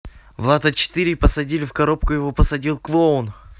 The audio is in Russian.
влад а четыре и посадили в коробку его посадил клоун